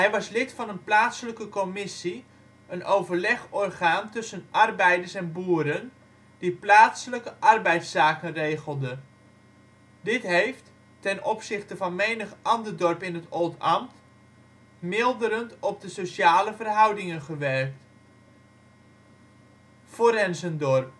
was lid van een ‘plaatselijke commissie’ een overlegorgaan tussen arbeiders en boeren die plaatselijke arbeidszaken regelde. Dit heeft, ten opzichte van menig ander dorp in het Oldambt, milderend op de sociale verhoudingen gewerkt. Forenzendorp